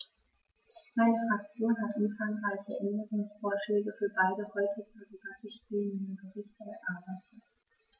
Meine Fraktion hat umfangreiche Änderungsvorschläge für beide heute zur Debatte stehenden Berichte erarbeitet.